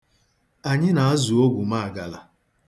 Anyị na-azụ ogwumaagala.